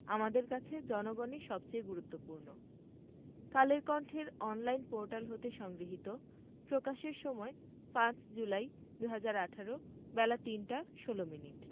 আমার কাছে জনগণই সবচেয়ে গুরুত্বপূর্ণ কালের কন্ঠের অনলাইন পোর্টাল হতে সংগৃহীত প্রকাশের সময় ৫ জুলাই ২০১৮ বেলা ৩টা ১৬ মিনিট